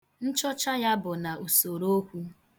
Nchọcha ya bụ n' usorookwu.